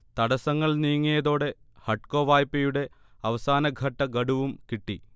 തടസ്സങ്ങൾ നീങ്ങിയതോടെ ഹഡ്കോ വായ്പയുടെ അവസാനഘട്ട ഗഡുവും കിട്ടി